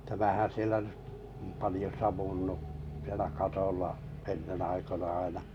tämähän siellä nyt paljon savunnut siellä katolla ennen aikoina aina